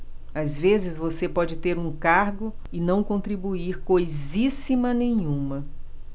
às vezes você pode ter um cargo e não contribuir coisíssima nenhuma